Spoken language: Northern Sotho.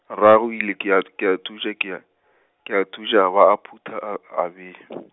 rragwe o ile ke a, ke a thuša, ke a, ke a thuša, a ba a phutha, a, a bea.